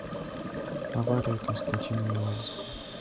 авария константина меладзе